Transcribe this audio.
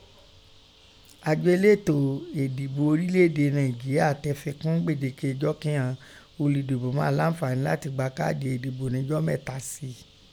Ajọ eleto edibo ọrile ede Nàìnjíeíà tẹ fi kun gbedeke ijọ kí ìghọn oludibo máa láǹfààni latin gba kaadi edibo nijọ mẹta.síi